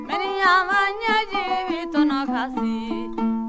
miniyanba ɲɛji min tɔnɔ ka fin